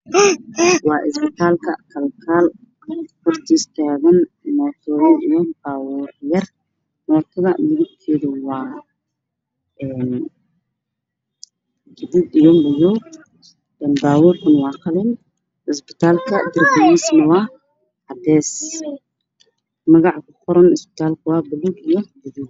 Waa isbitaal kal kaal hortooda taagan moo tooyin